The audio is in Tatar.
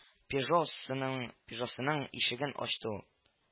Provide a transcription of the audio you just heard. Пежо сының Пежосының ишеген ачты ул